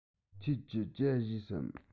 ཁྱེད ཀྱིས ཇ བཞེས སམ